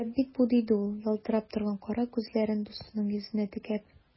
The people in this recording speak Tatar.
Бик шәп бит бу! - диде ул, ялтырап торган кара күзләрен дустының йөзенә текәп.